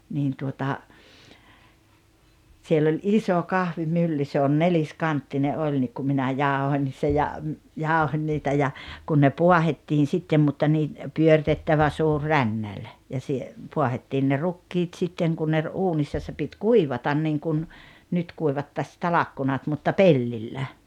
niin tuota siellä oli iso kahvimylly se on neliskanttinen oli niin kun minä jauhoin se ja jauhoin niitä ja kun ne paahdettiin sitten mutta niin pyöritettävä suuri rännäli ja - paahdettiin ne rukiit sitten kun ne uunissa se piti kuivata niin kuin nyt kuivattaisiin talkkunat mutta pellillä